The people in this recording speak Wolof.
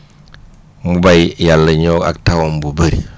mu bàyyi yàlla énëw ak tawam bu bëri